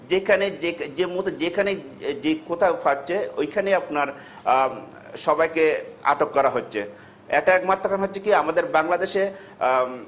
যেখানে যে যে মুহূর্তে যেখানে যে কোথাও পাচ্ছে ওইখানে আপনার সবাইকে আটক করা হচ্ছে এটা একমাত্র হচ্ছে কি আমাদের বাংলাদেশ এ